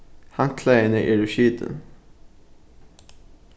handklæðini eru skitin